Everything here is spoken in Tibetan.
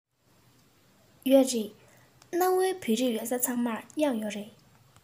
ཡོད རེད གནའ བོའི བོད རིགས ཡོད ས ཚང མར གཡག ཡོད རེད